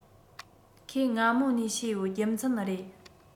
ཁོས སྔ མོ ནས ཤེས ཡོད རྒྱུ མཚན རེད